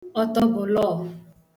ọtọbụlọ̄ọ̄